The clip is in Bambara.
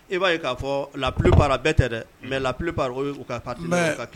I b'a ye k kaa fɔ a bɛɛ tɛ dɛ la plupart a bɛɛ tɛ dɛ mais la plupart